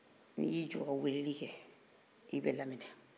n'i jɔ ka weleli kɛ i bɛ laminɛ